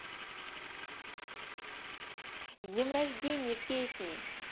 с днем рождения песни